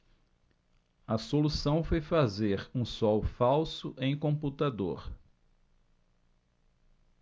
a solução foi fazer um sol falso em computador